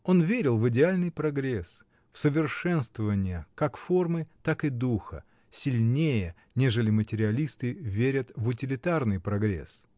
Он верил в идеальный прогресс — в совершенствование как формы, так и духа, сильнее, нежели материалисты верят в утилитарный прогресс